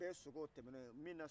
o bɛɛ ye sokɛw tɛmɛnɔ ye